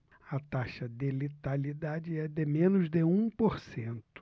a taxa de letalidade é de menos de um por cento